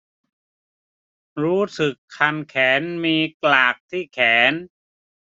รู้สึกคันแขนมีกลากที่แขน